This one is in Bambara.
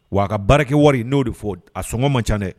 Wa a ka baarakɛ wari n'o de fɔ a sɔngɔ ma ca dɛ